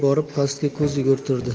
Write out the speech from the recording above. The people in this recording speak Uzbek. borib pastga ko'z yugurtirdi